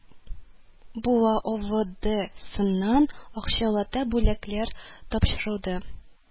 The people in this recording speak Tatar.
Буа ОВДсыннан акчалата бүләкләр тапшырылды